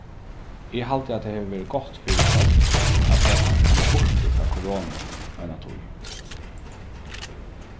eg haldi at tað hevur verið gott fyri fólk at fáa tankarnar burtur frá koronu eina tíð